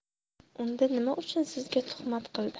unda nima uchun sizga tuhmat qildi